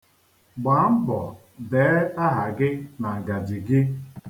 Gbaa mbọ dee aha gị na ngaji gị.